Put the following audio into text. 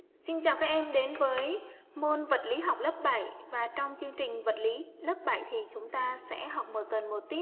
xin chào các em đến với môn vật lý học lớp và trong chương trình vật lý lớp thì chúng ta sẽ học tuần